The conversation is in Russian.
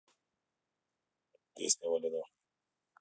песня вали на хуй